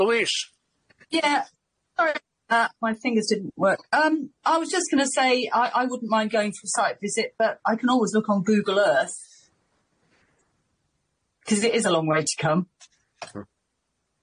Louise. Sorry for that my fingers didn't work. Yym I was just gonna say I I wouldn't mind going to a site visit but I can always look on Google Earth. Cos it is a long way to come.